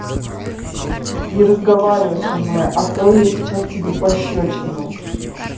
не разговаривай со мной а то я сейчас тебе пощечину